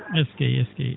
eskey eskey